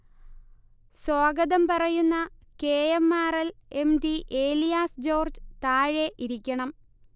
സ്വാഗതം പറയുന്ന K. M. R. L., M. D Elias George താഴെ ഇരിക്കണം